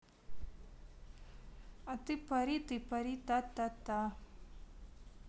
а ты пари ты пари та та та